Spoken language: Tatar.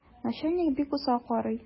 Начальник бик усал карый.